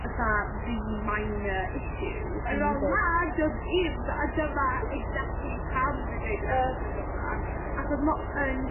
fatha rili minor issue. Yndi. Wel na 'di o ddim a dyma exactly pam dwi'n gwneud yr episod yma achos m'o yn